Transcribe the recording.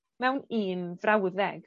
mewn un frawddeg?